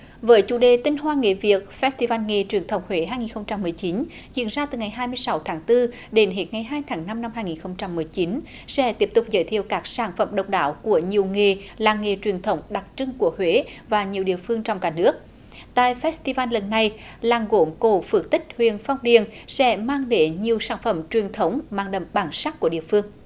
với chủ đề tinh hoa nghề việt phét ti van nghề truyền thống huế hai nghìn không trăm mười chín diễn ra từ ngày hai mươi sáu tháng tư đến hết ngày hai tháng năm năm hai nghìn không trăm mười chín sẽ tiếp tục giới thiệu các sản phẩm độc đáo của nhiều nghề làng nghề truyền thống đặc trưng của huế và nhiều địa phương trong cả nước tại phét ti van lần này làng gốm cổ phước tích huyện phong điền sẽ mang đến nhiều sản phẩm truyền thống mang đậm bản sắc của địa phương